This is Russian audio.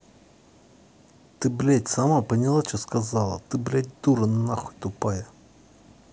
ты блядь сама поняла че сказала ты блядь дура нахуй тупая